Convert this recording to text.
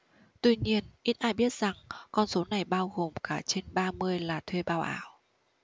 tuy nhiên ít ai biết rằng con số này bao gồm cả trên ba mươi là thuê bao ảo